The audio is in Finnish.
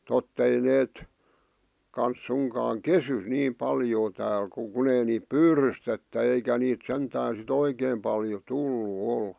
totta ei ne kanssa suinkaan kesy niin paljoa täällä kun kun ei niitä pyydystetä eikä niitä sentään sitten oikein paljon tullut ole